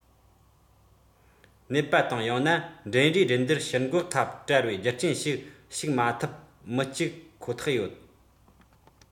ནད པ དང ཡང ན འགྲན རའི འགྲན བསྡུར ཕྱིར འགོག ཐབས བྲལ བའི རྒྱུ རྐྱེན ཞིག ཞུགས མ ཐུབ མི གཅིག ཁོ ཐག ཡོད